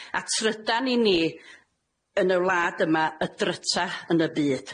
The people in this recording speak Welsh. A trydan i ni yn y wlad yma y dryta yn y byd.